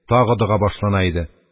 Тагы дога башлана иде